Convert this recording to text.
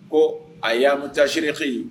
Ko a'mu taasi fɛ yen